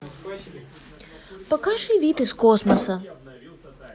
покажи вид из космоса